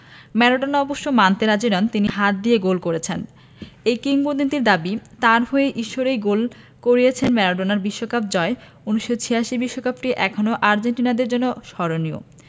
Maradona অবশ্য মানতে রাজি নন তিনি হাত দিয়ে গোল করেছেন এই কিংবদন্তির দাবি তাঁর হয়ে ঈশ্বরই গোল করিয়েছেন ম্যারাডোনার বিশ্বকাপ জয় ১৯৮৬ বিশ্বকাপটি এখনো আর্জেন্টাইনদের জন্য স্মরণীয়